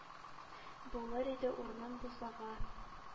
Булыр иде урным бусага.